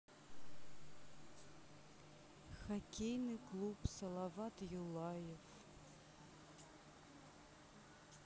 хоккейный клуб салават юлаев